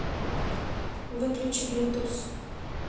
выключи блютус